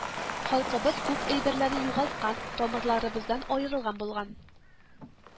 Халкыбыз күп әйберләрне югалткан, тамырларыбыздан аерылган булган